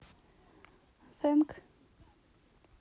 thank